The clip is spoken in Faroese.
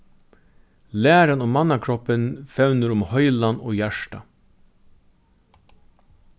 læran um mannakroppin fevnir um heilan og hjartað